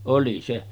oli se